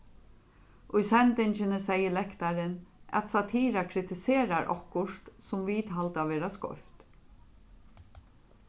í sendingini segði lektarin at satira kritiserar okkurt sum vit halda vera skeivt